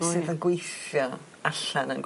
...sydd yn gweithio allan yn...